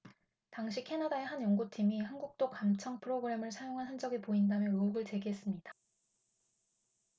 당시 캐나다의 한 연구팀이 한국도 감청프로그램을 사용한 흔적이 보인다며 의혹을 제기했습니다